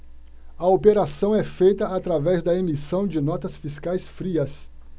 a operação é feita através da emissão de notas fiscais frias